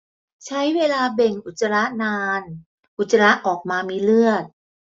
ใช้เวลาเบ่งอุจจาระนานอุจจาระออกมามีเลือด